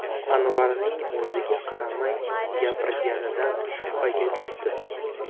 anvarning o'ziga qaramay gapirganidan shubhaga tushdi